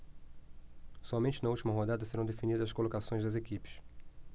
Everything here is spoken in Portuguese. somente na última rodada serão definidas as colocações das equipes